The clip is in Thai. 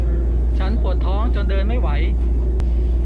ฉันปวดท้องจนเดินไม่ไหว